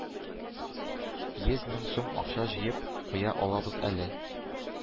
Йөз мең сум акча җыеп куя алабыз әле”,